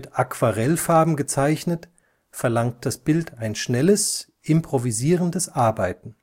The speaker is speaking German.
Aquarellfarben gezeichnet, verlangt das Bild ein schnelles, improvisierendes Arbeiten